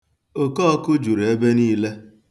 Okọọkụ juru ebe niile.